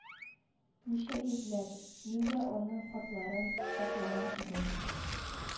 Ничә йөзләп, мин дә аның хатларын саклаган идем